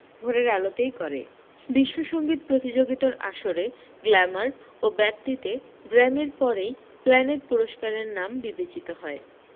ভোরের আলোতেই করে বিশ্ব সঙ্গীত প্রতিযোগীতার আসরে গ্ল্যামার ও ব্যাপ্তিতে গ্র্যামির পরেই প্লানেট পুরস্কারের নাম বিবেচিত হয়